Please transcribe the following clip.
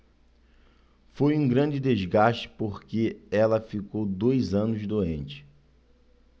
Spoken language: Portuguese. foi um grande desgaste porque ela ficou dois anos doente